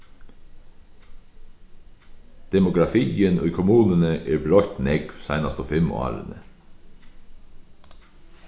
demografiin í kommununi er broytt nógv seinastu fimm árini